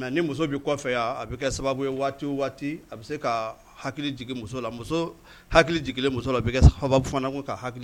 Waati waati bɛ hakili jigin hakili jigin muso sababu fana ka hakili